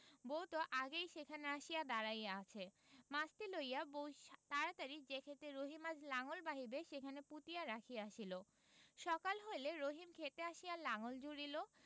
বউ তো আগেই সেখানে আসিয়া দাঁড়াইয়া আছে মাছটি লইয়া বউ তাড়াতাড়ি যে ক্ষেতে রহিম আজ লাঙল বাহিবে সেখানে পুঁতিয়া রাখিয়া আসিল সকাল হইলে রহিম ক্ষেতে আসিয়া লাঙল জুড়িল